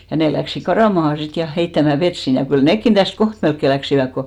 ja ne lähtivät karkaamaan sitten ja heittämään vettä sinne ja kyllä nekin tästä kohta melkein lähtivät kun